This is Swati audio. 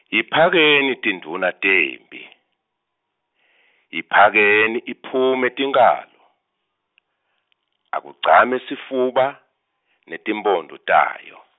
Yiphakeni tindvuna temphi, Yiphakeni iphume tinkhalo , Akugcame sifuba netimphondvo tayo.